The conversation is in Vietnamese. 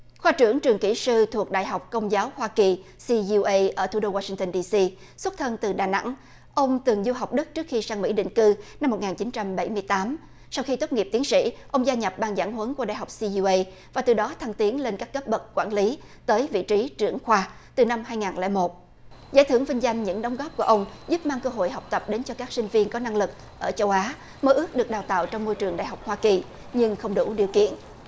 khoa trưởng trường kỹ sư thuộc đại học công giáo hoa kỳ xi diu ây ở thủ đô goa sinh tơn đi xi xuất thân từ đà nẵng ông từng du học đức trước khi sang mỹ định cư năm một ngàn chín trăm bảy mươi tám sau khi tốt nghiệp tiến sĩ ông gia nhập ban giảng huấn của đại học xi diu ây và từ đó thăng tiến lên các cấp bậc quản lý tới vị trí trưởng khoa từ năm hai ngàn lẻ một giải thưởng vinh danh những đóng góp của ông giúp mang cơ hội học tập đến cho các sinh viên có năng lực ở châu á mơ ước được đào tạo trong môi trường đại học hoa kỳ nhưng không đủ điều kiện